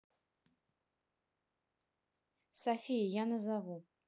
софия я назову